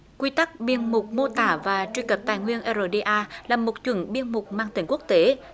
quy tắc biên mục mô tả và truy cập tài nguyên r đê a là một chuẩn biên mục mang tầm quốc tế